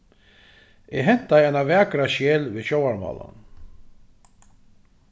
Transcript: eg hentaði eina vakra skel við sjóvarmálan